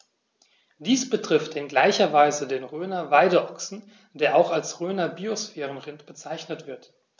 Dies betrifft in gleicher Weise den Rhöner Weideochsen, der auch als Rhöner Biosphärenrind bezeichnet wird.